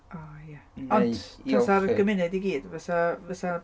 O ie... Neu... ond, tasa'r gymuned i gyd, fasa, fasa...